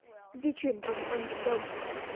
di chuyển vòng quanh cánh đồng